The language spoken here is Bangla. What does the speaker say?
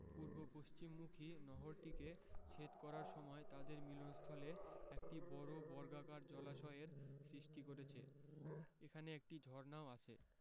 পূর্ব পশ্চিমমুখী নহরটিকে ছেদ করার সময় তাদের মিলনস্থলে একটি বড় বর্গাকার জলাশয়ের সৃষ্টি করেছে এখানে একটি ঝর্ণাও আছে